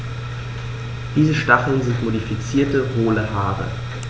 Diese Stacheln sind modifizierte, hohle Haare.